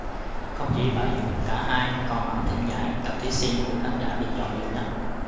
không chỉ vậy cả hai còn ẵm thêm giải cặp thí sinh được khán giả bình chọn nhiều nhất